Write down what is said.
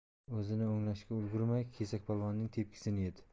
o'zini o'nglashga ulgurmay kesakpolvonning tepkisini yedi